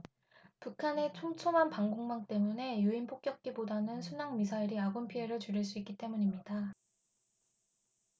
북한의 촘촘한 방공망 때문에 유인 폭격기보다는 순항미사일이 아군 피해를 줄일 수 있기 때문입니다